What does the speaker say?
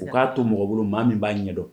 U k'a to mɔgɔ bolo maa min b'a ɲɛdɔn